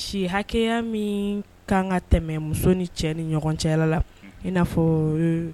Si hakɛya min kan ka tɛmɛ muso ni cɛ ni ɲɔgɔn cɛ la i n'afɔ